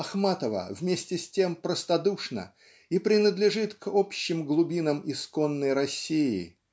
Ахматова вместе с тем простодушна и принадлежит к общим глубинам исконной России